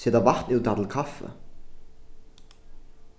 seta vatn útá til kaffi